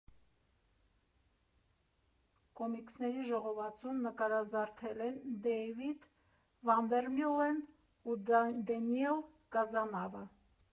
Կոմիքսների ժողովածուն նկարազարդել են Դեյվիդ Վանդերմյուլենն ու Դենիել Կազանավը։